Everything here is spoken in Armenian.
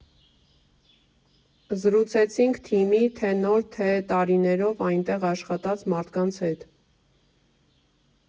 Զրուցեցինք թիմի թե՛ նոր, թե՛ տարիներով այնտեղ աշխատած մարդկանց հետ։